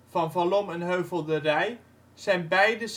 van Valom en Heuvelderij zijn beide